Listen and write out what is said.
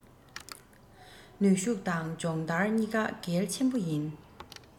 ནུས ཤུག དང སྦྱོང ལྟར གཉིས ཀ གལ ཆེན པོ ཡིན